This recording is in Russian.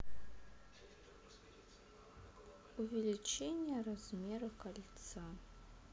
увеличение размера кольца